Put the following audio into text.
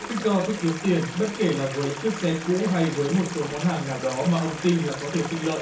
vích to thích kiếm tiền bất kể là với chiếc xe cũ hay với một số món hàng nào đó mà ông tin là có thể sinh lợi